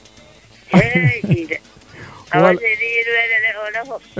hey i de Awa seny yiin wene ne' oona fop